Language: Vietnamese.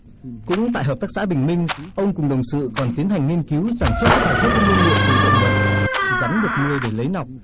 cũng tại hợp tác xã bình minh ông cùng đồng sự còn tiến hành nghiên cứu sản xuất các bài thuốc có nguyên liệu từ động vật rắn được nuôi để lấy nọc